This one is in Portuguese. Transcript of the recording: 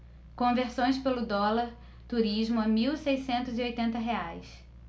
conversões pelo dólar turismo a mil seiscentos e oitenta reais